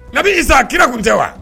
Nabi i sa kira tun tɛ wa